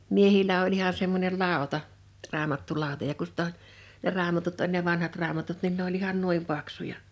miehillä oli ihan semmoinen lauta raamattulauta ja kun sitten on ne raamatut oli ne vanhat raamatut niin ne oli ihan noin paksuja